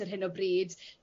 ar hyn o bryd.